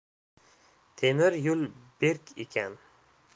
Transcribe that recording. temir yo'l berk ekan